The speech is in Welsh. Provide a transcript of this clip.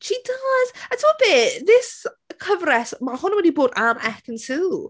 She does. A tibod be? This cyfres ma' hwn wedi bod am Ekin-Su.